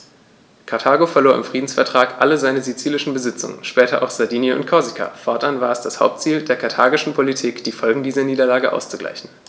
Karthago verlor im Friedensvertrag alle seine sizilischen Besitzungen (später auch Sardinien und Korsika); fortan war es das Hauptziel der karthagischen Politik, die Folgen dieser Niederlage auszugleichen.